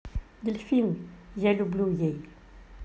дельфин я люблю ей